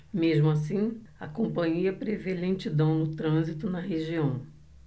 mesmo assim a companhia prevê lentidão no trânsito na região